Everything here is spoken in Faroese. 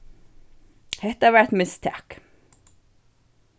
hetta var eitt mistak